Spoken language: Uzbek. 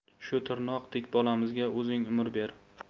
shu tirnoqdek bolamizga o'zing umr ber